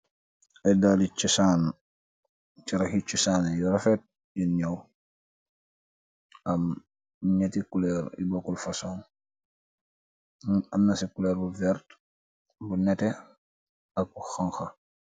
Aiiy daali chosan, charakhii chosan yu rafet yungh njaww, am njehti couleur yu bokul fason, amna cii couleur bu vert bu nehteh ak bu honha.